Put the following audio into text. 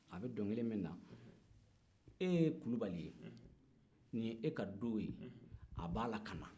a bɛ dɔnkili min da e ye kulubali ye nin y'e ka doo ye a b'a la ka na